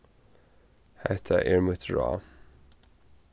hetta er mítt ráð